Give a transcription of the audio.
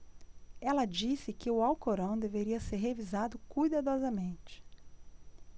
ela disse que o alcorão deveria ser revisado cuidadosamente